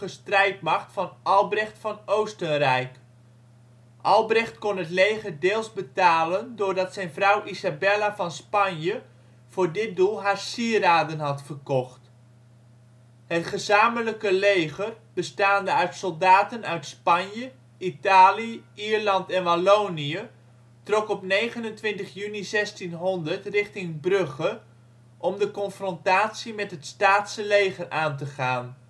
strijdmacht van Albrecht van Oostenrijk. Albrecht kon het leger deels betalen doordat zijn vrouw Isabella van Spanje voor dit doel haar sieraden had verkocht. Het gezamenlijke leger, bestaande uit soldaten uit Spanje, Italië, Ierland en Wallonië, trok op 29 juni 1600 richting Brugge om de confrontatie met het Staatse leger aan te gaan